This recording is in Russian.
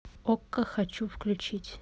окко хочу включить